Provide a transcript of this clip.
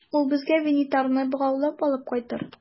Ул безгә Винитарны богаулап алып кайтыр.